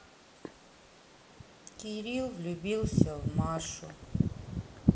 кирилл влюбился в машу